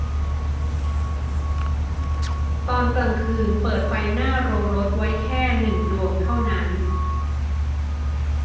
ตอนกลางคืนเปิดไฟหน้าโรงรถไว้แค่หนึ่งดวงเท่านั้น